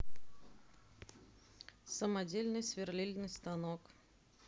самодельный сверлильный станок